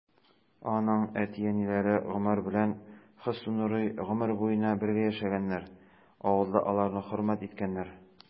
Аның әти-әниләре Гомәр белән Хөснурый гомер буена бергә яшәгәннәр, авылда аларны хөрмәт иткәннәр.